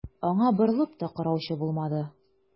Аңа борылып та караучы булмады.